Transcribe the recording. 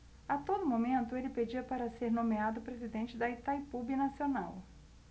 a todo momento ele pedia para ser nomeado presidente de itaipu binacional